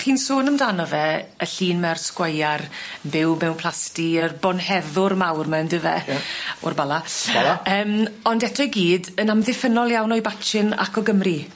Chi'n sôn amdano fe y llun ma'r sgwaiar byw mewn plasty y bonheddwr mawr 'ma on'd yfe? Ie. O'r Bala. Bala. Yym ond eto i gyd yn amddiffynnol iawn o'i batchyn ac o Gymru.